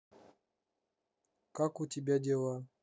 как у тебя дела